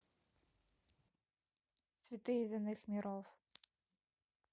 цветы из иных миров